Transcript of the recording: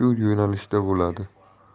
bo'lsa shu yo'nalishda bo'ladi